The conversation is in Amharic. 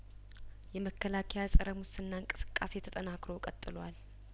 የመከላከያ ጸረ ሙስና እንቅስቃሴ ተጠናክሮ ቀጥሏል